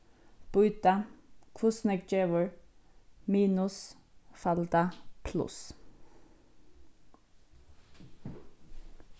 býta hvussu nógv gevur minus falda pluss